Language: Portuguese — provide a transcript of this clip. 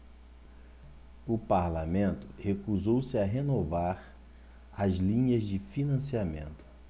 o parlamento recusou-se a renovar as linhas de financiamento